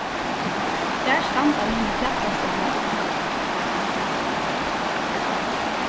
hvar standa mínir fjallastivlar